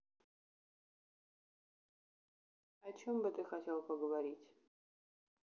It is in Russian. о чем бы ты хотел поговорить